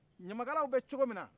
ɲamakalaw bɛ cogo min na